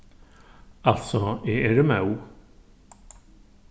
altso eg eri móð